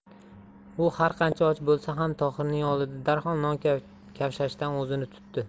u har qancha och bo'lsa ham tohirning oldida darhol non kavshashdan o'zini tutdi